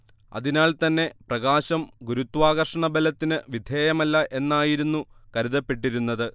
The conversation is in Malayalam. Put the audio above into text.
അതിനാൽത്തന്നെ പ്രകാശം ഗുരുത്വാകർഷണബലത്തിന് വിധേയമല്ല എന്നായിരുന്നു കരുതപ്പെട്ടിരുന്നത്